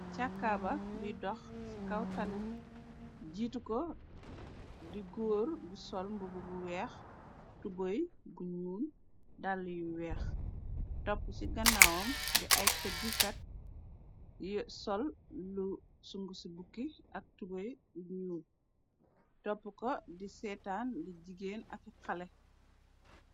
Càakaaba buy dox ci kaw talih jiitu ko di góor gu sol mbubu bu weex tubey bu ñuul dall yu weex topp ci ganaawaom di ay tëggkat yi sol lu sung ci bukki ak tubey bu ñuul topp ko di seetaan di jigeen ake xale.